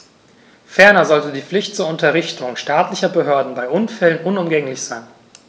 Ferner sollte die Pflicht zur Unterrichtung staatlicher Behörden bei Unfällen unumgänglich sein.